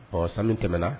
Ɔ san min tɛmɛna